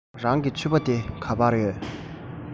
རང གི ཕྱུ པ དེ ག པར ཡོད